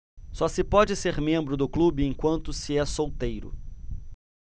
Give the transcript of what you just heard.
só se pode ser membro do clube enquanto se é solteiro